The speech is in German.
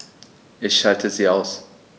Ich schalte sie aus.